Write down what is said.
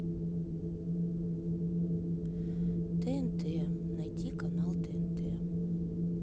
тнт найти канал тнт